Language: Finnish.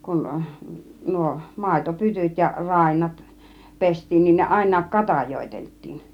kun nuo - maitopytyt ja nuo rainnat pestiin niin niin ne ainakin katajoiteltiin